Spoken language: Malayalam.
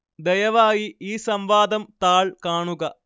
ദയവായി ഈ സംവാദം താൾ കാണുക